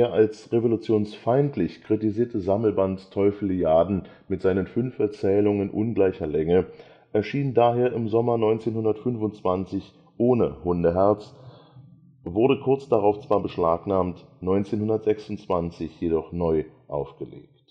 als " revolutionsfeindlich " kritisierte Sammelband Teufeliaden, mit seinen fünf Erzählungen ungleicher Länge (u.a. Die verhängnisvollen Eier) erschien daher im Sommer 1925 ohne das Hundeherz, wurde kurz darauf zwar beschlagnahmt, 1926 jedoch neu aufgelegt